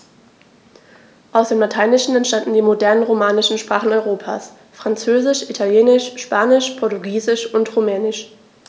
Aus dem Lateinischen entstanden die modernen „romanischen“ Sprachen Europas: Französisch, Italienisch, Spanisch, Portugiesisch und Rumänisch.